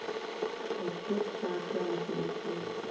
артур саакян песни